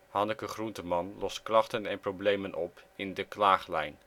Hanneke Groenteman lost klachten en problemen op in De Klaaglijn